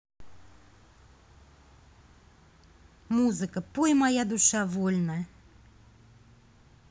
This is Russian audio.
музыка пой моя душа вольно